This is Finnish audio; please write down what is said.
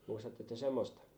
muistattekos te semmoista